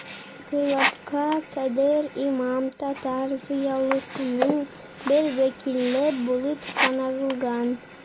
Инкыйлабка кадәр имам татар зыялысының бер вәкиле булып саналган.